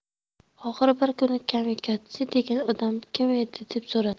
oxiri bir kuni kamikadze degan odam kim edi deb so'radi